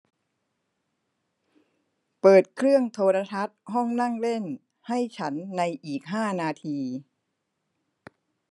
เปิดเครื่องโทรทัศน์ห้องนั่งเล่นให้ฉันในอีกห้านาที